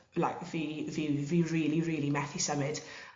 like fi fi fi rili rili methu symud